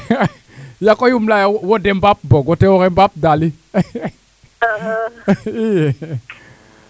yakoy im leya Wode Mbape boog o tewo xe Pape Daly i